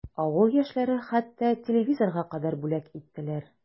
Авыл яшьләре хәтта телевизорга кадәр бүләк иттеләр.